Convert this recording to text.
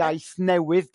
iaith newydd.